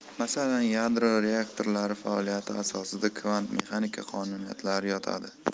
masalan yadro reaktorlari faoliyati asosida kvant mexanika qonuniyatlari yotadi